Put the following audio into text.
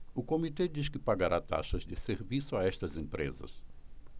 o comitê diz que pagará taxas de serviço a estas empresas